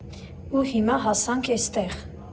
Ու հիմա հասանք էստեղ։